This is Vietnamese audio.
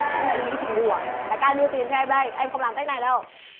em nghĩ chị ngu à đại ca đưa tiền cho em đây em không làm cách này đâu